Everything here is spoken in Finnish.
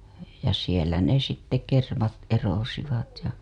ja siellä ne sitten kermat erosivat ja